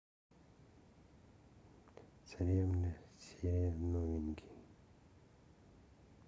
царевны серия новенький